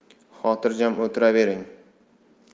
xotirjam o'tiravering